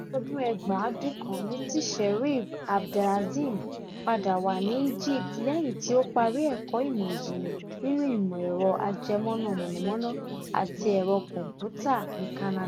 Ọdún 1999 ni tí Sherif Abdel-Azim padà wà ní Egypt lẹ́yìn tí ó parí ẹ̀kọ́ Ìmọ̀-ìjìnlẹ̀ nínú Ìmọ̀-ẹ̀rọ Ajẹmọ́ná mọ̀nàmọ́ná àti Ẹ̀rọ Kọ̀m̀pútà ní Canada.